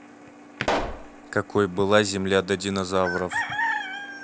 какой была земля до динозавров